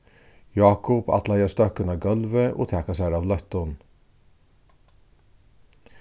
jákup ætlaði at støkka inn á gólvið og taka sær av løttum